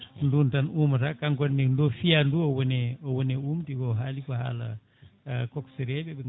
ko ɗon tan umata kanko ne ndo fiiya ndu o wone o wone umde ko haali ko haala coxeur eɓe